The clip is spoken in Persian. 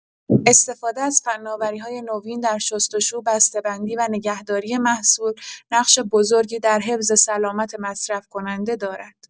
استفاده از فناوری‌های نوین در شست‌وشو، بسته‌بندی و نگهداری محصول، نقش بزرگی در حفظ سلامت مصرف‌کننده دارد.